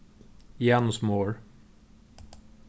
janus mohr